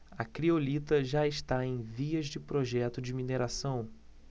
a criolita já está em vias de projeto de mineração